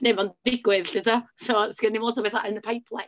Neu mae'n digwydd, 'lly tibod. So 'sgen i'm lot o betha yn y pipeline.